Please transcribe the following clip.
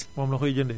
moom la koy jëndee